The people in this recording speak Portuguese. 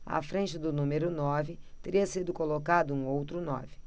à frente do número nove teria sido colocado um outro nove